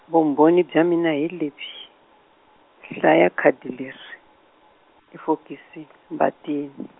vumbhoni bya mina hi lebyi, hlaya khadi leri, i fokisi Mbatini.